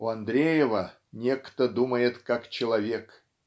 У Андреева Некто думает как человек